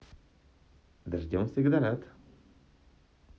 дождем всегда рад